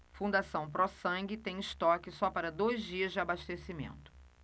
fundação pró sangue tem estoque só para dois dias de abastecimento